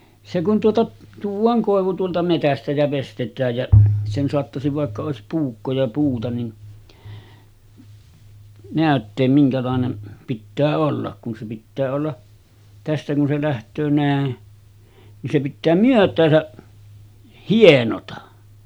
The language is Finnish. se kun tuota tuodaan koivu tuolta metsästä ja veistetään ja sen saattaisin vaikka olisi puukko ja puuta niin näyttää minkälainen pitää olla kun se pitää olla tästä kun se lähtee näin niin se pitää myötäänsä hienota